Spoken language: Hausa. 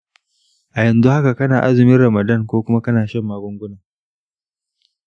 a yanzu haka kana azumin ramadan ko kuma kana kan shan magunguna?